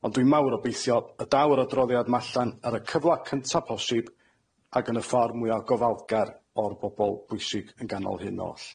Ond dwi'n mawr obeithio y daw'r adroddiad 'ma allan ar y cyfla cynta posib, ac yn y ffor mwya gofalgar o'r bobol bwysig yn ganol hyn oll.